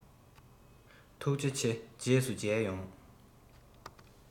ཐུགས རྗེ ཆེ རྗེས སུ མཇལ ཡོང